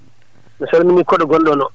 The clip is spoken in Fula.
mi saliminii koɗo gonɗo ɗoon oo